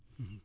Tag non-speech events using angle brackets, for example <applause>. <hesitation> <hesitation>